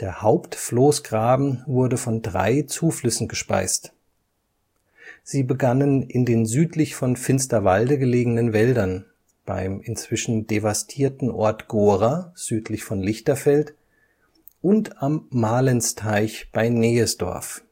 Hauptfloßgraben wurde von drei Zuflüssen gespeist. Sie begannen in den südlich von Finsterwalde gelegenen Wäldern, beim inzwischen devastierten Ort Gohra, südlich von Lichterfeld und am Mahlenzteich bei Nehesdorf